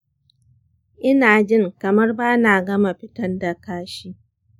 ina jin kamar bana gama fitar da kashi.